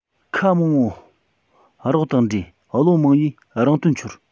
ཁ མང པོ རོགས དང འགྲས བློ མང པོས རང དོན འཆོར